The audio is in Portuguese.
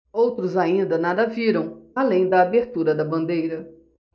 outros ainda nada viram além da abertura da bandeira